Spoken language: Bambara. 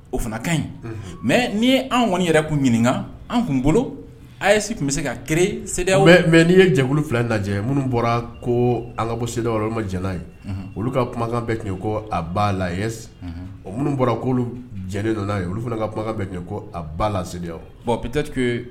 O fana ka ɲi mɛ n'i an kɔniɔni yɛrɛ' ɲininka an kun ngolo a yesi tun bɛ se ka kɛ mɛ mɛ n'i ye jɛ wolonwula lajɛ minnu bɔra ko an ka bɔ se ma jɛnɛ ye olu ka kumakan bɛ ko a ba la o minnu bɔra ko'olu jɛnɛ nana ye olu fana ka kumakan a ba la bɔn pteri